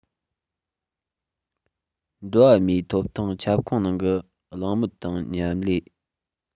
འགྲོ བ མིའི ཐོབ ཐང ཁྱབ ཁོངས ནང གི གླེང མོལ དང མཉམ ལས